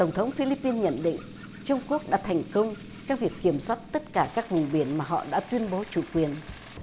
tổng thống phi líp pin nhận định trung quốc đã thành công trong việc kiểm soát tất cả các vùng biển mà họ đã tuyên bố chủ quyền